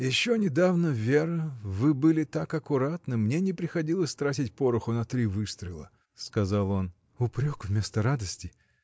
— Еще недавно, Вера, вы были так аккуратны: мне не приходилось тратить пороху на три выстрела. — сказал он. — Упрек — вместо радости!